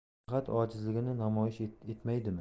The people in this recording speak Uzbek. faqat ojizligini namoyish etmaydimi